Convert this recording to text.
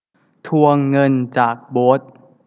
ทวงเงินจากโบ๊ท